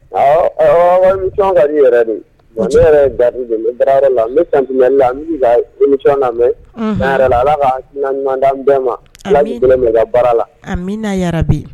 Ɔ wasɔn ka ne yɛrɛ nin wa ne yɛrɛ da ne bara yɛrɛ la n bɛ san la imisɔn lamɛn mɛ fɛn yɛrɛ la ala ka bɛɛ ma ka baara la an min yɛrɛ bi